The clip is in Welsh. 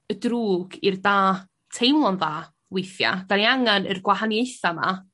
y drwg i'r da teimlo'n dda weithia mai angan y'r gwahaniaetha 'ma